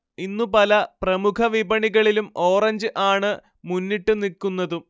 ഇന്നുപല പ്രമുഖ വിപണികളിലും ഓറഞ്ച് ആണ് മുന്നിട്ടുനിക്കുന്നതും